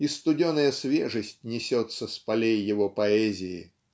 и студеная свежесть несется с полей его поэзии.